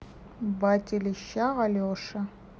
батя леша алеша